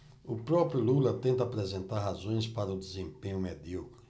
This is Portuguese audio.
o próprio lula tenta apresentar razões para o desempenho medíocre